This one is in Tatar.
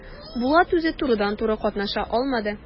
Булат үзе турыдан-туры катнаша алмады.